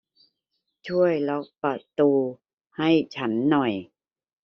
ช่วยล็อกประตูให้ฉันหน่อย